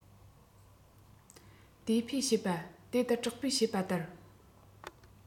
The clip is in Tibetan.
དེ ཕོས བཤད པ དེ ལྟར གྲོགས པོས བཤད པ ལྟར